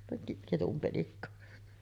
- ketun penikka